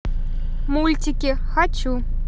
мультики хочу